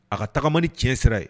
A ka tagama ni tiɲɛ sira ye.